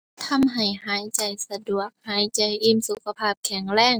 ทำให้หายใจสะดวก หายใจอิ่ม สุขภาพแข็งแรง